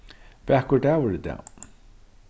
vakur dagur í dag